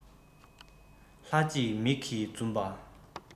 ལྷ ཅིག མིག མི འཛུམ པ